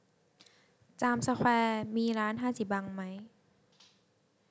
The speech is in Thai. จามสแควร์มีร้านฮาจิบังไหม